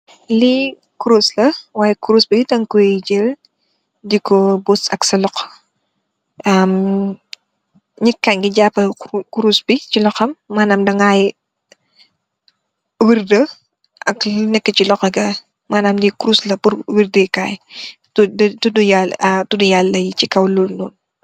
Lii kurus la, waay kurus bi dañg kooy jël di ko bës seen loxo. Nit kaa ngi jaapu kurus bi ci loxoom bi, wirda, li neek si loxo ba. Lii kurus pur wirdee kaay, di tudu Yaala so kow lool.